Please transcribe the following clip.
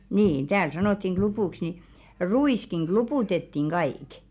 niin täällä sanottiin klupuksi niin ruiskin kluputettiin kaikki